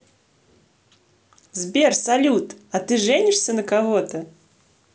сбер салют а ты женишься на кого то